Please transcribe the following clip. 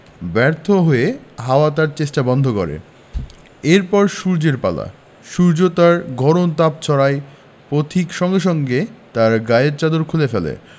ব্যর্থ হয়ে হাওয়া তার চেষ্টা বন্ধ করে এর পর সূর্যের পালা সূর্য তার গরম তাপ ছড়ায় পথিক সঙ্গে সঙ্গে তার গায়ের চাদর খুলে ফেলে